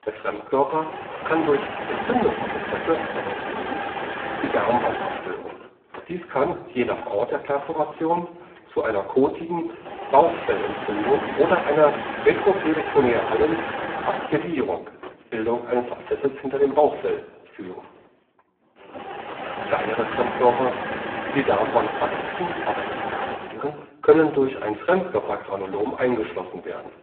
Fremdkörper kann durch Entzündungsprozesse (Arrosion) die Darmwand zerstören. Dies kann, je nach Ort der Perforation zu einer kotigen Bauchfellentzündung oder einer retroperitonealen Abszedierung (Bildung eines Abszesses hinter dem Bauchfell) führen. Kleinere Fremdkörper, die die Darmwand verletzen – aber nicht perforieren – können durch ein Fremdkörpergranulom eingeschlossen werden